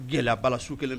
Gɛlɛya bala su kelen